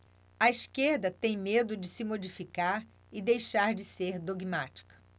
a esquerda tem medo de se modificar e deixar de ser dogmática